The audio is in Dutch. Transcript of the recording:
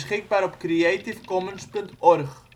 5° 55 ' OL